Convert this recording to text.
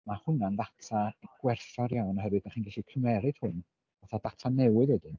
Mae hwnna'n ddata gwerthfawr iawn oherwydd dach chi'n gallu cymeryd hwn fatha data newydd wedyn.